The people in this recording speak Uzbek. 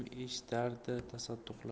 kim eshitardi tasadduqlar